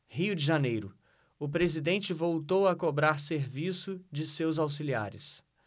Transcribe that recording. rio de janeiro o presidente voltou a cobrar serviço de seus auxiliares